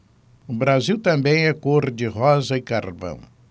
o brasil também é cor de rosa e carvão